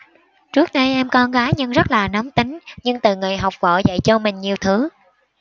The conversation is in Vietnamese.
trước đây em con gái nhưng rất là nóng tính nhưng từ ngày học võ dạy cho mình nhiều thứ